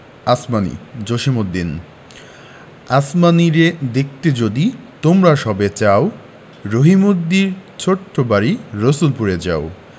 আসমানী জসিমউদ্দিন আসমানীরে দেখতে যদি তোমরা সবে চাও রহিমদ্দির ছোট্ট বাড়ি রসুলপুরে যাও